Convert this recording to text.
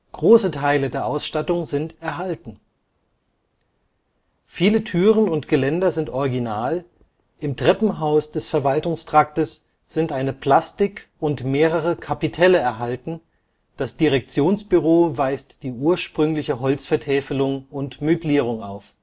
Große Teil der Ausstattung sind erhalten. Viele Türen und Geländer sind original, im Treppenhaus des Verwaltungstraktes sind eine Plastik und mehrere Kapitelle erhalten, das Direktionsbüro weist die ursprüngliche Holzvertäfelung und Möblierung auf